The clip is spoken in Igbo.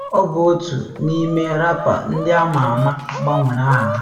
Ọ bụ otu n’ime rapa ndị ama ama gbanwere aha ha.